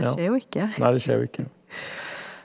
ja nei det skjer jo ikke.